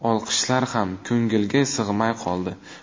olqishlar ham ko'ngliga sig'may qoldi